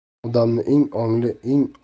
odamni eng ongli